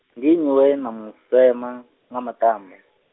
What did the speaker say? ndi nnyi we, na mu sema, nga maṱamba?